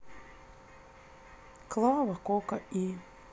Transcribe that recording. клава кока и